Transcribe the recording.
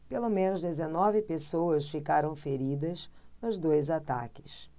pelo menos dezenove pessoas ficaram feridas nos dois ataques